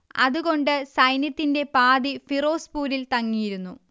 അതുകൊണ്ട് സൈന്യത്തിന്റെ പാതി ഫിറോസ്പൂരിൽ തങ്ങിയിരുന്നു